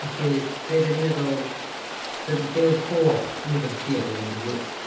Felly, b- be dan ni'n meddwl, b- be oedd hoff lyfr chdi o dwy fil ac un deg wyth?